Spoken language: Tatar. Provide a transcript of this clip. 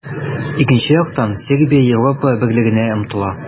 Икенче яктан, Сербия Европа Берлегенә омтыла.